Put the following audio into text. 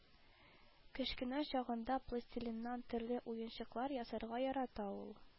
Кечкенә чагында пластилиннан төрле уенчыклар ясарга ярата ул